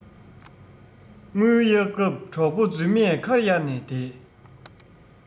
དངུལ གཡར སྐབས གྲོགས པོ རྫུན མས ཁ གཡར ནས བསྡད